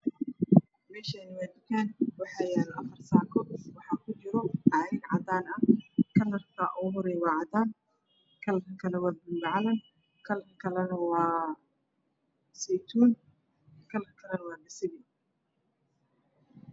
Meeshaan waa tukaan waxaa yaalo afar saako waxaa kujiro cabaayad cadaan ah kalarka ugu horeeyo waa cadaan kalarka kalana waa buluug calan kalarka kalana waa seytuun. Kalarka kalana waa basali.